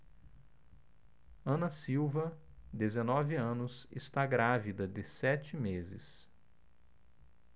ana silva dezenove anos está grávida de sete meses